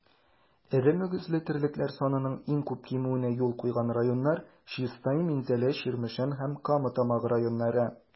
Эре мөгезле терлекләр санының иң күп кимүенә юл куйган районнар - Чистай, Минзәлә, Чирмешән һәм Кама Тамагы районнары.